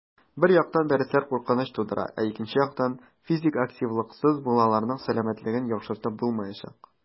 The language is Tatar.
Бер яктан, дәресләр куркыныч тудыра, ә икенче яктан - физик активлыксыз балаларның сәламәтлеген яхшыртып булмаячак.